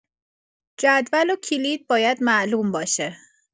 جدول و کلید باید معلوم باشه.